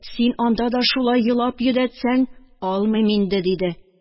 Син анда да шулай елап йөдәтсәң, алмыйм инде, – диде